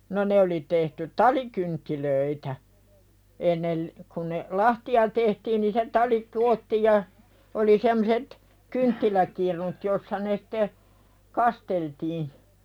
no ne oli tehty talikynttilöitä ennen kun ne lahtia tehtiin niin se tali koottiin ja oli semmoiset kynttiläkirnut jossa ne sitten kasteltiin